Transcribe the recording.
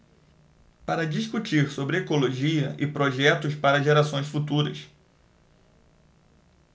para discutir sobre ecologia e projetos para gerações futuras